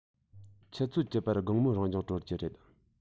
ཆུ ཚོད བཅུ པར དགོང མོའི རང སྦྱོང གྲོལ གྱི རེད